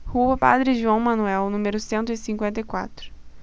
rua padre joão manuel número cento e cinquenta e quatro